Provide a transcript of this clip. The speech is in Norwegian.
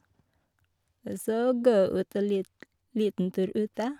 Og så gå ut en litl liten tur ute.